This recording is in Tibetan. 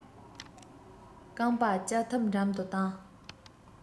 རྐང པ ལྕགས ཐབ འགྲམ དུ འདུག